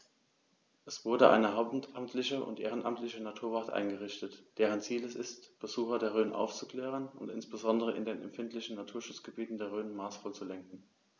Es wurde eine hauptamtliche und ehrenamtliche Naturwacht eingerichtet, deren Ziel es ist, Besucher der Rhön aufzuklären und insbesondere in den empfindlichen Naturschutzgebieten der Rhön maßvoll zu lenken.